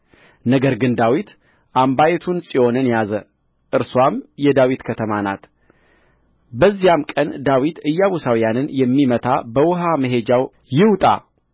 ነገር ግን ዳዊት አምባይቱን ጽዮንን ያዘ እርስዋም የዳዊት ከተማ ናት በዚያም ቀን ዳዊት ኢያቡሳውያንን የሚመታ በውኃ መሄጃው ይውጣ